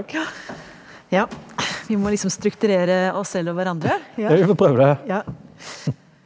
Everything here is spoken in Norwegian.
ja ja vi må liksom strukturere oss selv og hverandre ja ja.